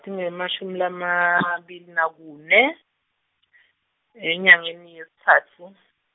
tinge emashumi lama mabili nakune , enyangeni yesitsatfu.